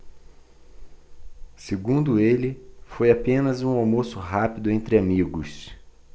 segundo ele foi apenas um almoço rápido entre amigos